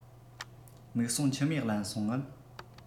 མིག ཟུང མཆི མས བརླན སོང ངམ